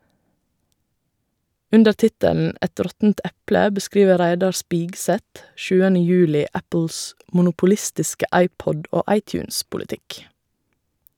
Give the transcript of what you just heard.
Under tittelen "Et råttent eple" beskriver Reidar Spigseth Apples monopolistiske iPod- og iTunes-politikk.